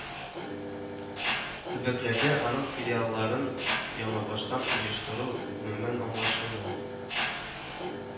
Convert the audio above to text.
Төбәкләрдә аның филиалларын яңабаштан оештыру гомумән аңлашылмый